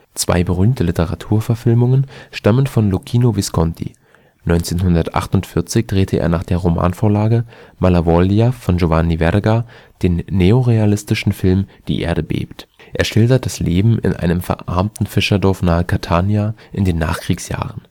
Zwei berühmte Literaturverfilmungen stammen von Luchino Visconti. 1948 drehte er nach der Romanvorlage I Malavoglia von Giovanni Verga den neorealistischen Film Die Erde bebt. Er schildert das Leben in einem verarmten Fischerdorf nahe Catania in den Nachkriegsjahren